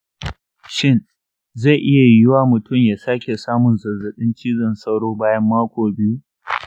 shin zai iya yiwuwa mutum ya sake samun zazzaɓin cizon sauro bayan mako biyu?